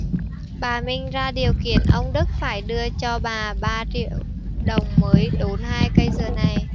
bà minh ra điều kiện ông đức phải đưa cho bà ba triệu đồng mới đốn hai cây dừa này